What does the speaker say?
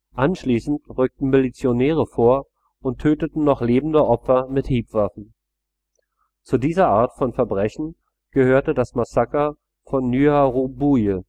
Anschließend rückten Milizionäre vor und töteten noch lebende Opfer mit Hiebwaffen. Zu dieser Art von Verbrechen gehört das Massaker von Nyarubuye